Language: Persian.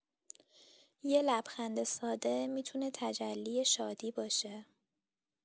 یه لبخند ساده می‌تونه تجلی شادی باشه.